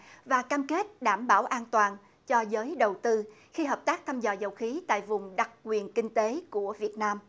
và cam kết đảm bảo an toàn cho giới đầu tư khi hợp tác thăm dò dầu khí tại vùng đặc quyền kinh tế của việt nam